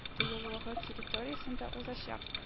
Тыюлыгы территориясендә узачак